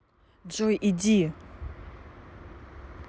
джой иди